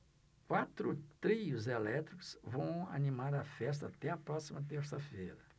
quatro trios elétricos vão animar a festa até a próxima terça-feira